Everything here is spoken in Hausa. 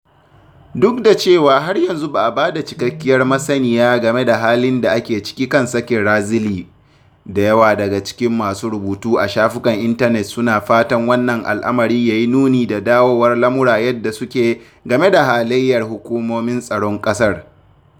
Duk da cewa har yanzu ba a da cikakkiyar masaniya game da halin da ake ciki kan sakin Razily, da yawa daga cikin masu rubutu a shafukan intanet suna fatan wannan al’amari yayi nuni da dawowar lamura yanda suke game da halayyar hukumomin tsaron ƙasar.